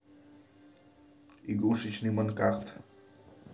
игрушечный монкарт